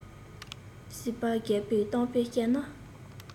སྲིད པ རྒད པོས གཏམ དཔེ བཤད ན